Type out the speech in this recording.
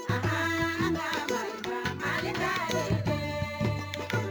Sankari yo ma tɛ'i diɲɛ